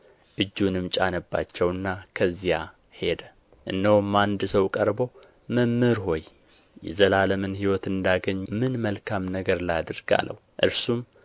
እጁንም ጫነባቸውና ከዚያ ሄደ እነሆም አንድ ሰው ቀርቦ መምህር ሆይ የዘላለምን ሕይወት እንዳገኝ ምን መልካም ነገር ላድርግ አለው እርሱም